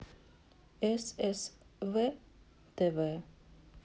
ссв тв